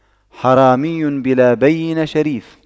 حرامي بلا بَيِّنةٍ شريف